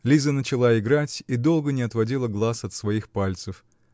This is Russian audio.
Лиза начала играть и долго не отводила глаз от своих пальцев.